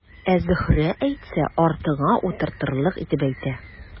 Ә Зөһрә әйтсә, артыңа утыртырлык итеп әйтә.